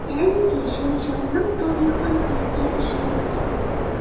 Әлеге җәнҗалның тарихын искә төшереп үтик.